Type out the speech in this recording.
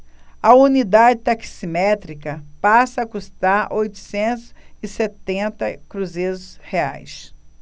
a unidade taximétrica passa a custar oitocentos e setenta cruzeiros reais